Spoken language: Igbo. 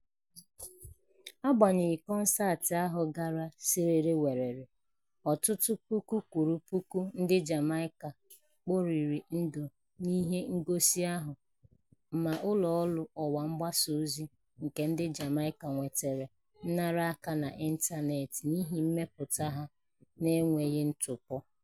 Agbanyeghị, kọnseetị ahụ gara síríríwèrè, ọtụtụ puku kwụrụ puku ndị Jamaica kporiri ndụ n'ihe ngosi ahụ ma ụlọ ọrụ ọwa mgbasa ozi nke ndị Jamaica nwetara nnara aka n'ịntaneetị n'ihi mmepụta ha na-enweghị ntụpọ: